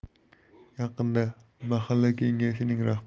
yaqinda mahalla kengashining